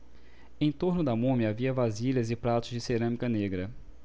em torno da múmia havia vasilhas e pratos de cerâmica negra